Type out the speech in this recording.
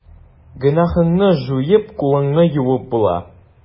Гөнаһыңны җуеп, кулыңны юып була.